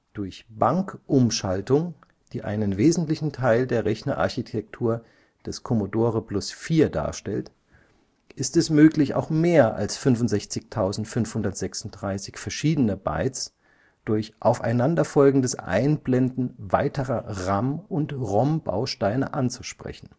Durch Bankumschaltung – die einen wesentlichen Teil der Rechnerarchitektur des Commodore Plus/4 darstellt – ist es möglich, auch mehr als 65536 verschiedene Bytes durch aufeinanderfolgendes Einblenden weiterer RAM - und ROM-Bausteine anzusprechen